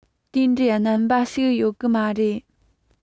དེ འདྲའི རྣམ པ ཞིག ཡོད གི མ རེད